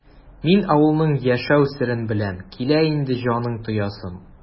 Мин авылның яшәү серен беләм, килә инде җанын тоясым!